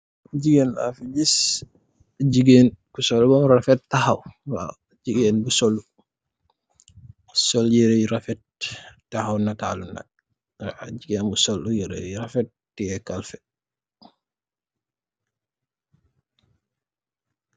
Gigeen la fi gis , gigeen bu sol lu bam rafet taxaw nitalyu teyeh kalpèh.